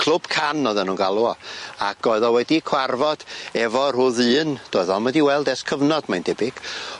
Clwb can odden nw'n galw o ac oedd o wedi cwarfod efo rhyw ddyn doedd o'm wedi weld ers cyfnod mae'n debyg.